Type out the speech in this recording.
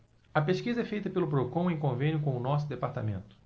a pesquisa é feita pelo procon em convênio com o diese